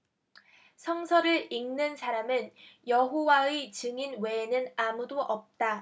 성서를 읽는 사람은 여호와의 증인 외에는 아무도 없다